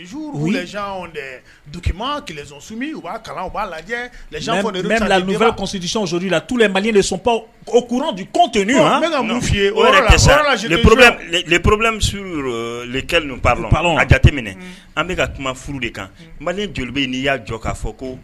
Kiaa lajɛdi lep foro le jate an bɛka ka kuma furu de kan mali' y'a jɔ k'a fɔ ko